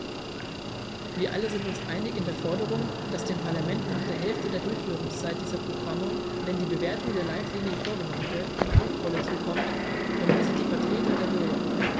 Wir alle sind uns einig in der Forderung, dass dem Parlament nach der Hälfte der Durchführungszeit dieser Programme, wenn die Bewertung der Leitlinien vorgenommen wird, eine Hauptrolle zukommt, denn wir sind die Vertreter der Bürger.